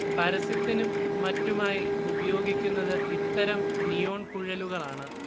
പരസ്യത്തിനും മറ്റുമായി ഉപയോഗിക്കുന്നത് ഇത്തരം നിയോൺ കുഴലുകളാണ്